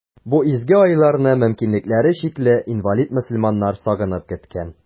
Бу изге айларны мөмкинлекләре чикле, инвалид мөселманнар сагынып көткән.